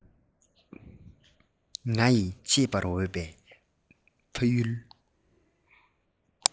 ང ཡི གཅེས པར འོས པའི ཕ ཡུལ